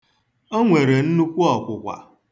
O nwere nnukwu ọkwụkwa.